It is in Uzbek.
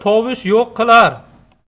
tovush yo'q qilar